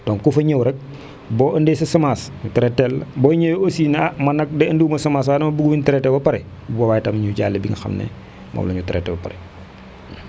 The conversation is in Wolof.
donc ku fa ñëw rek boo indee sa semence ñu traité teel la boo ñëwee aussi ni ah man nag de indiwuma semence waaye dama bëgg bu ñu traité ba pare bu boobaa itam ñu jaay la bi nga xam ne moom la ñu traité ba pare